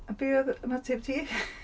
A be oedd ymateb ti?